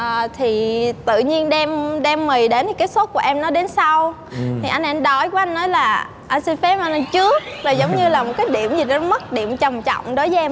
ờ thì tự nhiên đem đem mì đến thì cái sốt của em nó đến sau thì anh ấy đói quá anh nói là anh xin phép anh ăn trước là giống như là cái điểm gì đó mất điểm trầm trọng đối với em